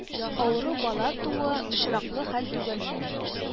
Авыру бала тууы очраклы хәл түгел